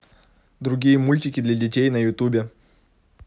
другие мультики для детей на ютубе